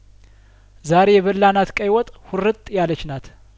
ዛሬ የበላናት ቀይወጥ ሁርጥ ያለችናት